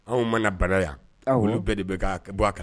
Anw mana bana yan olu bɛɛ de bɛ ka bɔ kan